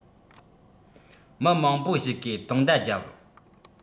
མི མང པོ ཞིག གིས དུང བརྡ བརྒྱབ